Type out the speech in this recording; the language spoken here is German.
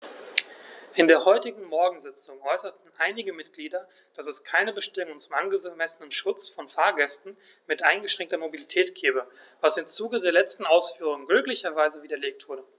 In der heutigen Morgensitzung äußerten einige Mitglieder, dass es keine Bestimmung zum angemessenen Schutz von Fahrgästen mit eingeschränkter Mobilität gebe, was im Zuge der letzten Ausführungen glücklicherweise widerlegt wurde.